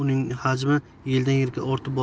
bo'lib uning hajmi yildan yilga ortib borardi